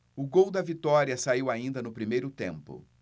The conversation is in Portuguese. o gol da vitória saiu ainda no primeiro tempo